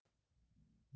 bir sir aytamen